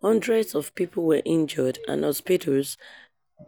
Hundreds of people were injured and hospitals,